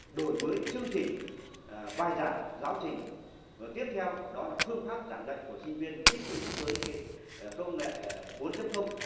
đổi mới chương trình bài giảng giáo trình và tiếp theo đó là phương pháp giảng dạy của sinh viên thích ứng với kỳ công nghệ bốn chấm không